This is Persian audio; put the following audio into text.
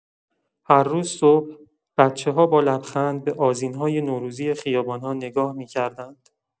هر روز صبح، بچه‌ها با لبخند به آذین‌های نوروزی خیابان‌ها نگاه می‌کردند.